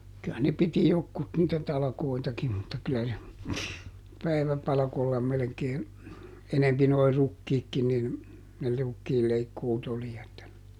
kyllä ne piti jotkut niitä talkoitakin mutta kyllä se päiväpalkoilla melkein enempi nuo rukiitkin niin ne rukiinleikkuut oli että